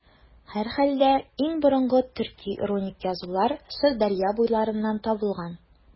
Һәрхәлдә, иң борынгы төрки руник язулар Сырдәрья буйларыннан табылган.